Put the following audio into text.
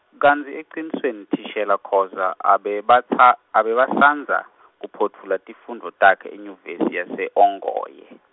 kantsi ecinisweni thishela Khoza, abebatsa, abebasandza, kuphotfula tifundvo takhe enyuvesi yase-Ongoye.